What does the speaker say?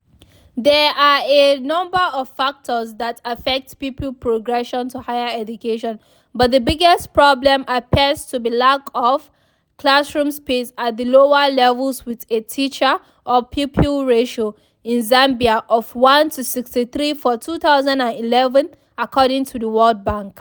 There are a number of factors that affects pupil progression to higher education but the biggest problem appears to be lack of classroom space at the lower levels with a teacher/pupil ratio in Zambia of 1 to 63 for 2011 according to the World Bank.